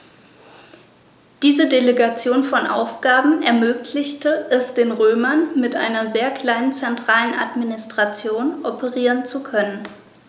Diese Delegation von Aufgaben ermöglichte es den Römern, mit einer sehr kleinen zentralen Administration operieren zu können.